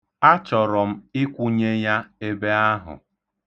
Achọrọ m ịkwụnye ya ebe ahụ.